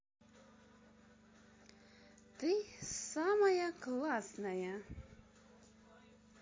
ты самая классная